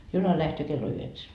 juna lähtee kello yhdeksän